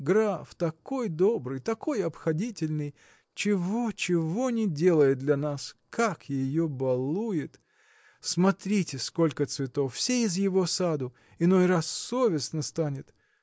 Граф такой добрый, такой обходительный: чего, чего не делает для нас как ее балует! Смотрите, сколько цветов! всё из его саду. Иной раз совестно станет.